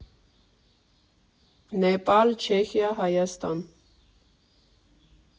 Նեպալ, Չեխիա, Հայաստան։